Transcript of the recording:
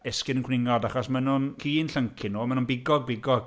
Esgyrn cwningod, achos maen nhw'n... ci'n llyncu nhw. A maen nhw'n bigog bigog.